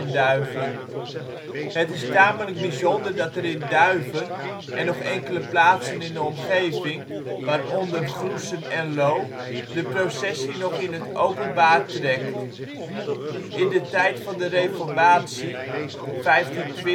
Duiven. Het is tamelijk bijzonder dat er in Duiven, en nog enkele plaatsen in de omgeving, waaronder Groessen en Loo, de processie nog in het openbaar trekt. In de tijd van de reformatie (1520-1600